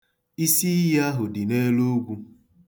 Isiiyi ahụ dị n'elu ugwu.